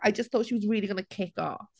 "I just thought she was really gonna kick off."